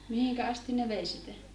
mihin asti ne vei sitä